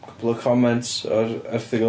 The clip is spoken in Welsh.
cwpl o comments o'r erthygl.